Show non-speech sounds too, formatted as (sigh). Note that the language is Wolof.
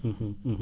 (hesitation) (hesitation)